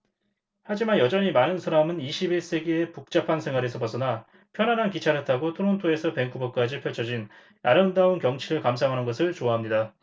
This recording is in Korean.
하지만 여전히 많은 사람은 이십 일 세기의 복잡한 생활에서 벗어나 편안한 기차를 타고 토론토에서 밴쿠버까지 펼쳐진 아름다운 경치를 감상하는 것을 좋아합니다